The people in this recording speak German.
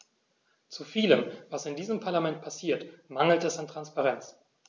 Zu vielem, was in diesem Parlament passiert, mangelt es an Transparenz.